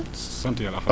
sant yàlla alhamdu